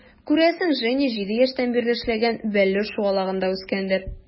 Күрәсең, Женя 7 яшьтән бирле эшләгән "Бәллүр" шугалагында үскәндер.